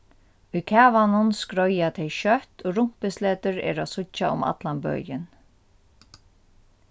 í kavanum skreiða tey skjótt og rumpusletur eru at síggja um allan bøin